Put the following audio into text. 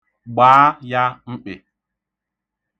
Gbaa ya mkpị.